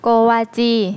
โกวาจี